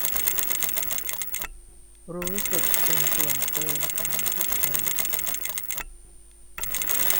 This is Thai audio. รู้สึกเป็นส่วนเกินของทุกคน